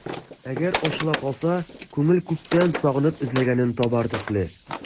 Әгәр ачыла калса, күңел күптән сагынып эзләгәнен табар төсле...